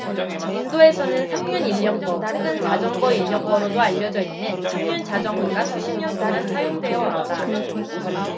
인도에서는 삼륜 인력거 혹은 자전거 인력거로도 알려져 있는 삼륜 자전거가 수십 년 동안 사용되어 왔다